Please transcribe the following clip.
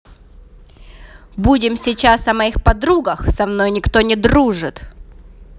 будем сейчас о моих подругах со мной никто не дружит